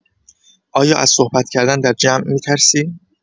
آیا از صحبت کردن در جمع می‌ترسی؟